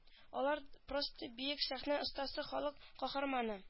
Алар просто бөек сәхнә остасы халык каһарманы